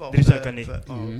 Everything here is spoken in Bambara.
Sa ka di